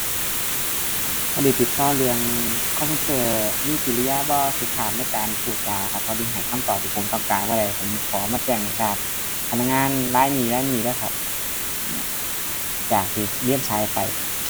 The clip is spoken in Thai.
พอดีติดต่อเรื่อง call center มีกิริยาบ่สุภาพในการพูดจาครับ พอดีให้คำตอบที่ผมต้องการบ่ได้ผมขอมาแจ้งให้ทราบ พนักงานรายนี้รายนี้เด้อครับ จากที่เรียนสายไป